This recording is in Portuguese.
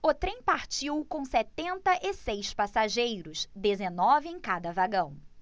o trem partiu com setenta e seis passageiros dezenove em cada vagão